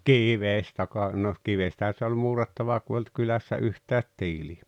kivestä kai no kivestähän se oli muurattava kun ei ollut kylässä yhtään tiiliä